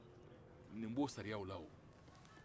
ni b'o sariyaw la